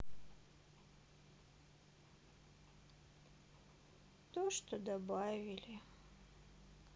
то что добавили